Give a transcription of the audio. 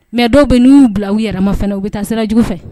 Mɛ dɔw bɛ n'u bila u yɛrɛma fana u bɛ taa sira jugu fɛ